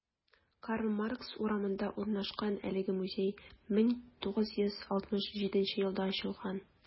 Карл Маркс урамында урнашкан әлеге музей 1967 елда ачылган.